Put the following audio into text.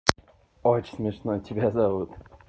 очень смешно тебя зовут